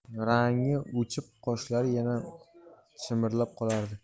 rangi o'chib qoshlari yana chimirilib qolardi